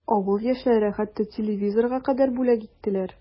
Авыл яшьләре хәтта телевизорга кадәр бүләк иттеләр.